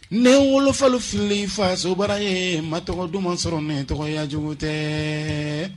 Ne n wolofalofilen fasobara ye ma tɔgɔ duman sɔrɔ n tɔgɔya cogo tɛ